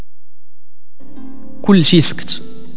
كل شيء سكت